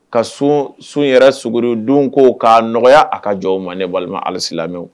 Ka sun sun yɛrɛ suguridenw ko ka nɔgɔya a ka jɔ ma ne walima alisi lamɛn